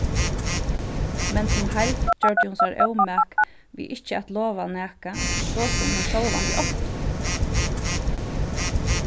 men sum heild gjørdi hon sær ómak við ikki at lova nakað so sum hon sjálvandi átti